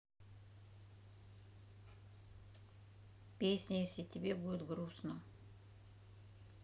песня если тебе будет грустно